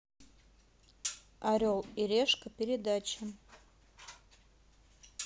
орел и решка передача